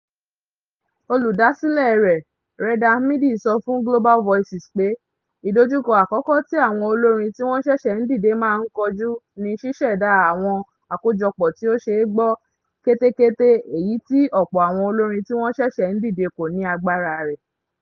Olùdásílẹ̀ rẹ̀, Reda Hmidi, sọ fún Global Voices pé “ìdojúko àkọ́kọ́ tí àwọn olórin tí wọ́n ṣẹ̀ṣẹ̀ ń dìdè máa ń kojú ni ṣíṣẹ̀dá àwọn àkójọ̀pọ̀ tí ó ṣeé gbọ́ kétékété, èyí ti ọ̀pọ̀ àwọn olórin tí wọ́n ṣẹ̀ṣẹ̀ ń dìdè kò ní agbára rẹ̀”